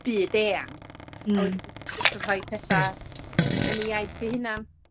byd eang... Hmm. ...a wedyn jyst yn rhoi petha yn 'i iaith 'i hunan.